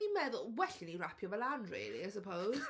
Dwi'n meddwl, well i ni rapio fe lan rili, I suppose.